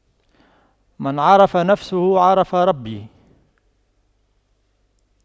من عرف نفسه عرف ربه